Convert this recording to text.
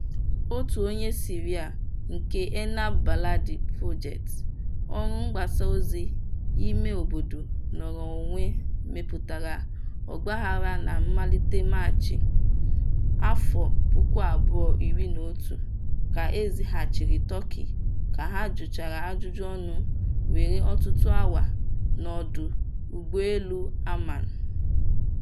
Otu onye Syria nke Enab Baladi project, ọrụ mgbasaozi imeobodo nọọrọ onwe mepụtara ọgbaghara na mmalite Maachị 2011, ka ezighachiri Turkey ka ha jụchara ajụjụọnụ were ọtụtụ awa n'ọdụ ụgbọelu Amman.